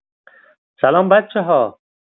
سلام بچه‌ها!